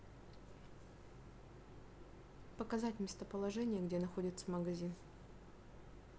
показать местоположение где находится магазин